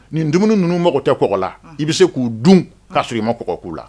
Nin dumuni ninnu mɔgɔ tɛɔgɔ la i bɛ se k'u dun k ka sma kɔɔgɔ k'u la